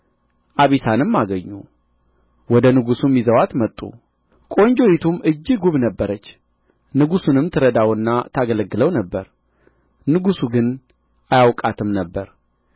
አቢሳንም አገኙ ወደ ንጉሡም ይዘዋት መጡ ቈንጆይቱም እጅግ ውብ ነበረች ንጉሡንም ትረዳውና ታገለግለው ነበር ንጉሡ ግን አያውቃትም ነበር